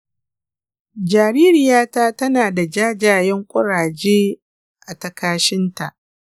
jaririyata tana da jajayen ƙuraje a ta-kashinta.